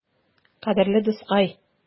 Кадерле дускай!